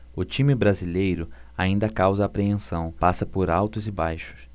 o time brasileiro ainda causa apreensão passa por altos e baixos